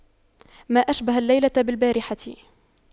ما أشبه الليلة بالبارحة